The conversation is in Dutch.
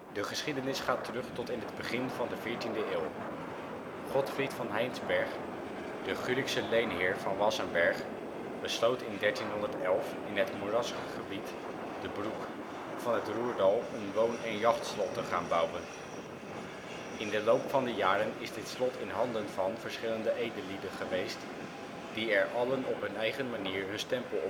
De geschiedenis gaat terug tot in het begin van de 14e eeuw. Godfried van Heinsberg, de Gulikse leenheer van Wassenberg, besloot in 1311 in het moerassig gebied (" broeck ") van het Roerdal een woon - en jachtslot te gaan bouwen. In de loop van de jaren is dit slot in handen van verschillende edellieden geweest, die er allen op hun eigen manier hun stempel op